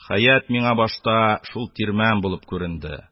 Хәят миңа башта шул тирмән булып күренде